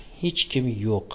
xech kim yo'q